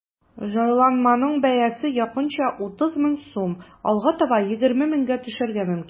Җайланманың бәясе якынча 30 мең сум, алга таба 20 меңгә төшәргә мөмкин.